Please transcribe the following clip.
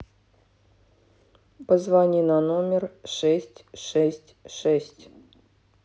позвони на номер шесть шесть шесть